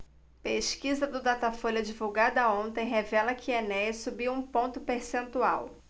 pesquisa do datafolha divulgada ontem revela que enéas subiu um ponto percentual